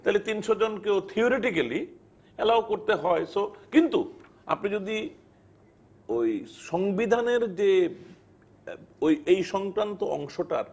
তাহলে ৩০০ জন কেউ থিওরিটিক্যালী অ্যালাও করতে হয় সো কিন্তু আপনি যদি ওই সংবিধানের যে ওই এই সংক্রান্ত অংশটা